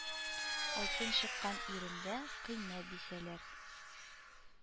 Алтын чыккан ирендә кыйммәт дисәләр